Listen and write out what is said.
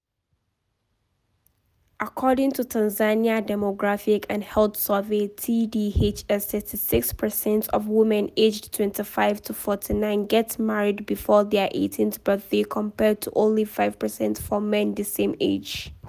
According to Tanzania Demographic and Health Survey (TDHS), 36 percent of women aged 25-49 get married before their 18th birthday compared to only 5 percent for men the same age.